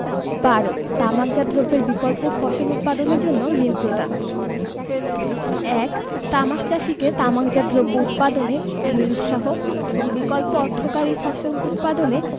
১২ তামাকজাত দ্রব্যের বিকল্প ফসল উৎপাদনের জন্য ঋণ প্রদান ১ তামাক চাষীকে তামাকজাত দ্রব্য উৎপাদনে নিরুৎসাহ এবং বিকল্প অর্থকরী ফসল উৎপাদনে